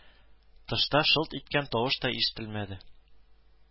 Тышта шылт иткән тавыш та ишетелмәде